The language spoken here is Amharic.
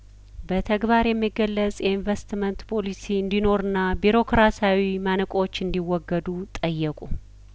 በተግባር የሚገለጽ የኢንቬስትመንት ፖሊሲ እንዲኖርና ቢሮክራሲያዊ ማነቆዎች እንዲ ወገዱ ጠየቁ